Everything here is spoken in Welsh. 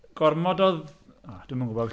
Gormod o... Dwi ddim yn gwybod.